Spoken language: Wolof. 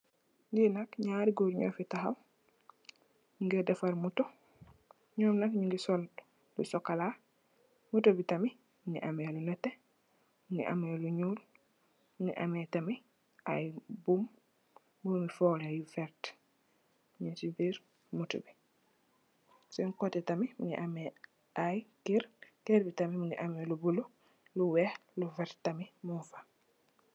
Li nak ñaari gór ñu fi taxaw ñi ngee defarr motto, ñom nak ñugii sol lu sokola, motto bi nak mugii ameh lu netteh, mugii ameh lu ñuul, mugii ameh tamit ay buum, buumi folé yu werta ñing ci biir motto bi. Sèèn koteh tamit mugii ameh ay kèr, kèr bi tamit mugii ameh lu bula, lu wèèx, lu werta tamit mug fa.